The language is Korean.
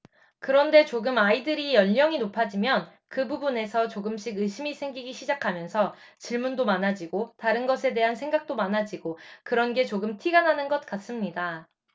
그런데 조금 아이들이 연령이 높아지면 그 부분에서 조금씩 의심이 생기기 시작하면서 질문도 많아지고 다른 것에 대한 생각도 많아지고 그런 게 조금 티가 나는 것 같습니다